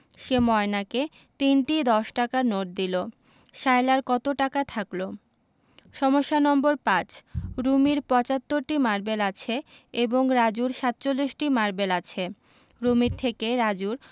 সে ময়নাকে ৩টি দশ টাকার নোট দিল সায়লার কত টাকা থাকল সমস্যা নম্বর ৫ রুমির ৭৫টি মারবেল আছে এবং রাজুর ৪৭টি মারবেল আছে রুমির থেকে রাজুর